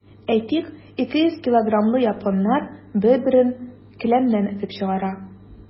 Әйтик, 200 килограммлы японнар бер-берен келәмнән этеп чыгара.